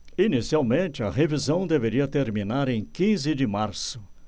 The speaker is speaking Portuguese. inicialmente a revisão deveria terminar em quinze de março